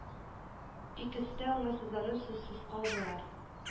Икесе дә уңайсызланып сүзсез калдылар